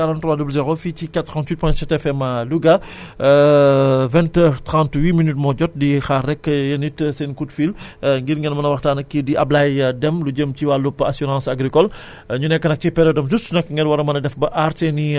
voilà merci beaucoup ba tay rekk 33 967 43 00 fii ci 88 point 7 FM Louga vingt heure trent huit minute moo jot di xaar rekk yéen it seen coup de fil ngir ngeen mën a waxtaan ak kii di Ablaye Deme lu jëm ci wàllub assurance agricole